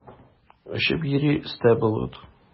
Очып йөри өстә болыт.